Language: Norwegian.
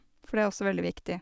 For det er også veldig viktig.